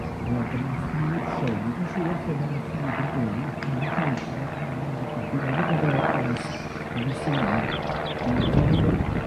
yy The Machmood Show, dwi'm yn siŵr lle mae Machmood yn byw, ai yn Lloeger ne' yn America, dwi'n meddwl bod e o dras Palesteinaidd mae'n rhoi'r